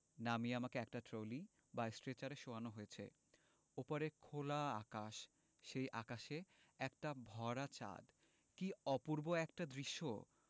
নামিয়ে আমাকে একটা ট্রলি বা স্ট্রেচারে শোয়ানো হয়েছে ওপরে খোলা আকাশ সেই আকাশে একটা ভরা চাঁদ কী অপূর্ব একটি দৃশ্য